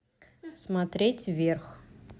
смотреть вверх